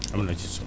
am na ci solo